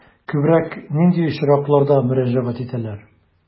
Күбрәк нинди очракларда мөрәҗәгать итәләр?